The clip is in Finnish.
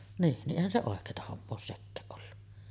niin niin eihän se oikeaa hommaa ole sekään ollut